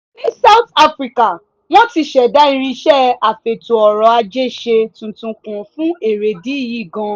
Ní South Africa, wọ́n ti ṣẹ̀dá irinṣẹ́ afètò-ọrọ̀-ajé-ṣe tuntun kan fún erédìí yìí gan.